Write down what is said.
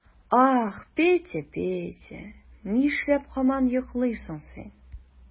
Ах, Петя, Петя, нишләп һаман йоклыйсың син?